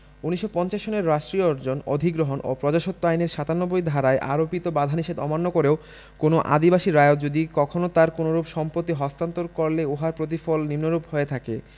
১৯৫০ সনের রাষ্ট্রীয় অর্জন অধিগ্রহণ ও প্রজাস্বত্ব আইনের ৯৭ ধারায় আরোপিত বাধানিষেধ অমান্য করে কোনও আদিবাসী রায়ত যদি কখনো তার কোনরূপ সম্পত্তি হস্তান্তর করলে উহার প্রতিফল নিম্নরূপ হয়ে থাকে